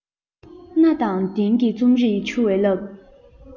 གནའ དང དེང གི རྩོམ རིག འཕྱུར བའི རླབས